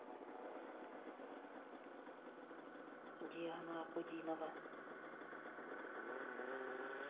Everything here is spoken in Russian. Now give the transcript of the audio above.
диана акудинова